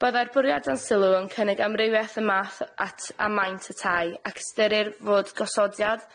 Byddai'r bwriad dan sylw yn cynnig amrywieth y math at a maint y tai ac ystyrir fod gosodiad,